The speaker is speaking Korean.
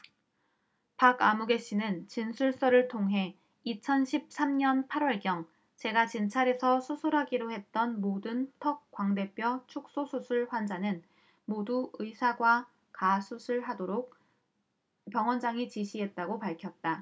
박아무개씨는 진술서를 통해 이천 십 삼 년 팔 월경 제가 진찰해서 수술하기로 했던 모든 턱광대뼈축소수술 환자는 모두 의사 과 가 수술하도록 병원장이 지시했다고 밝혔다